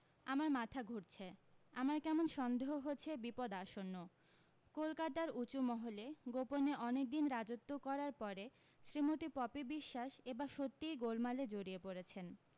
আমার মাথা ঘুরছে আমার কেমন সন্দেহ হচ্ছে বিপদ আসন্ন কলকাতার উঁচু মহলে গোপনে অনেকদিন রাজত্ব করার পরে শ্রীমতী পপি বিশ্বাস এবার সত্যিই গোলমালে জড়িয়ে পড়েছেন